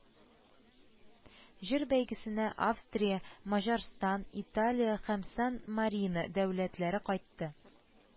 Җыр бәйгесенә Австрия, Маҗарстан, Италия һәм Сан-Марино дәүләтләре кайтты